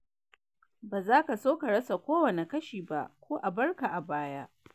Ba za ka so ka rasa kowane kashi ba ko a bar ka a baya.